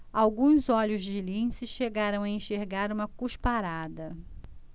alguns olhos de lince chegaram a enxergar uma cusparada